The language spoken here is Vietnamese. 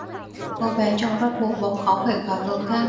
cô bé trông rất bụ bẫm kháu khỉnh và cứng cáp